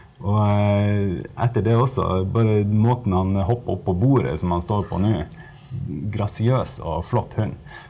og etter det også, bare den måten han hopper opp på bordet som han står på nå, grasiøs og flott hund.